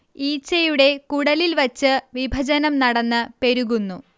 ഈച്ചയുടെ കുടലിൽ വച്ച് വിഭജനം നടന്ന് പെരുകുന്നു